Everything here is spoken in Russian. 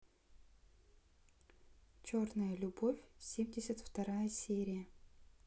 черная любовь семьдесят вторая серия